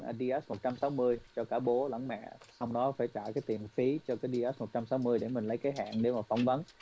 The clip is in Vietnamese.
đi ét một trăm sáu mươi cho cả bố lẫn mẹ xong đó phải trả cái tiền phí cho cái đi ét một trăm sáu mươi để mình lấy cái hạn để mà phỏng vấn